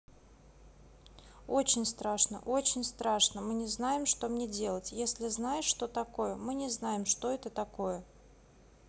очень страшно очень страшно мы не знаем что мне делать если знаешь что такое мы не знаем что это такое